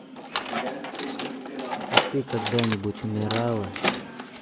а ты когда нибудь умирала